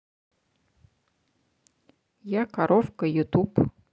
я коровка ютуб